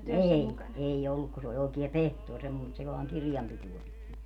ei ei ollut kun se oli oikea pehtori - että se vain kirjanpitoa piti